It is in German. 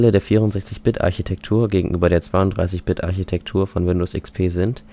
der 64-Bit-Architektur (gegenüber der 32-Bit-Architektur) von Windows XP sind